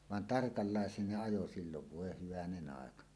vaan tarkalleen ne ajoi silloin voi hyvänen aika